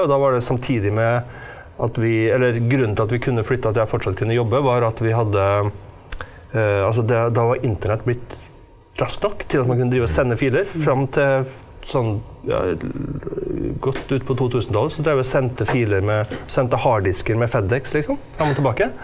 og da var det samtidig med at vi eller grunnen til at vi kunne flytte og at jeg fortsatt kunne jobbe var at vi hadde , altså det da var internett blitt raskt nok til at man kunne drive og sende filer fram til sånn ja godt ut på totusentallet så dreiv vi å sendte filer med sendte harddisker med Fedex liksom fram og tilbake.